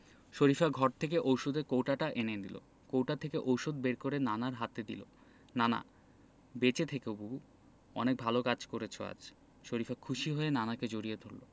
শরিফা ঘর থেকে ঔষধের কৌটোটা এনে দিল কৌটা থেকে ঔষধ বের করে নানার হাতে দিল নানা বেঁচে থেকো বুবু অনেকগুলো ভালো কাজ করেছ আজ শরিফা খুশি হয়ে নানাকে জড়িয়ে ধরল